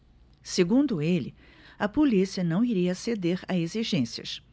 segundo ele a polícia não iria ceder a exigências